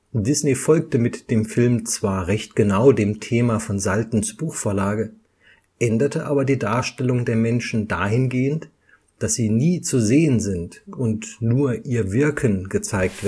Disney folgte mit dem Film zwar recht genau dem Thema von Saltens Buchvorlage, änderte aber die Darstellung der Menschen dahingehend, dass sie nie zu sehen sind und nur ihr Wirken gezeigt